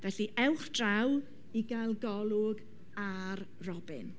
Felly, ewch draw i gael golwg ar Robin.